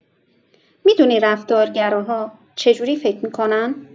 می‌دونی رفتارگراها چه جوری فکر می‌کنن؟